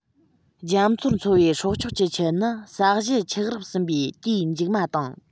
རྒྱ མཚོར འཚོ བའི སྲོག ཆགས ཀྱི ཁྱུ ནི ས གཞི ཆགས རིམ གསུམ པའི དུས མཇུག མ དང